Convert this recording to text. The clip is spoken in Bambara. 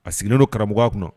A sigilen don karamɔgɔ kunna